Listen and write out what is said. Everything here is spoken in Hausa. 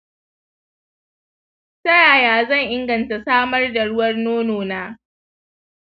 tayaya zan inganta samar da ruwar nono na